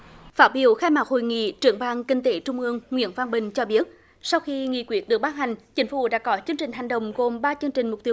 phát biểu khai mạc hội nghị trưởng ban kinh tế trung ương nguyễn văn bình cho biết sau khi nghị quyết được ban hành chính phủ đã có chương trình hành động gồm ba chương trình mục tiêu